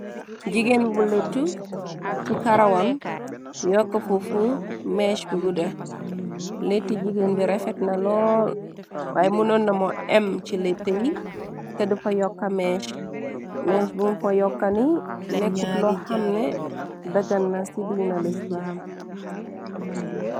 Jigéen bu lëttu ci karawam yoka fuufu mess bu guda latti jigeen bi refet na lool waay munoon namo em ci lata yi teh du fa yokka mess mess bumu fa yokka nak nekkut loo xamne dagan na ci dinex Islam.